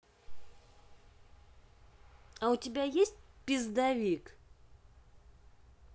а у тебя есть пиздовик